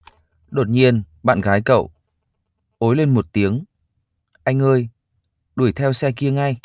đột nhiên bạn gái cậu ối lên một tiếng anh ơi đuổi theo xe kia ngay